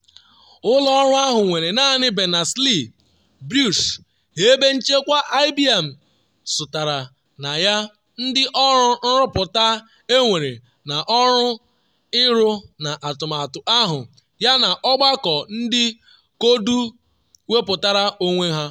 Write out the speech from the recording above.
Ụlọ ọrụ ahụ nwere naanị Berners-Lee, Bruce, ebe nchekwa IBM zụtara na ya, ndị ọrụ nrụpụta ewere n’ọrụ ịrụ n’atụmatụ ahụ yana ọgbakọ ndị koodu wepụtara onwe ha.